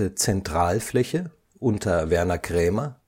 Zentralfläche “unter Werner Krämer